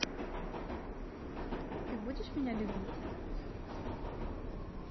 ты будешь меня любить